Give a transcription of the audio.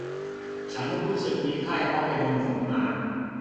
ฉันรู้สึกมีไข้เพราะไปโดนฝนมา